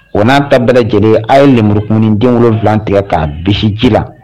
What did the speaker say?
W n'an ta bɛɛ lajɛlen a' ye buruk den wolonwula tigɛ k'a bisi ji la